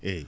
eeyi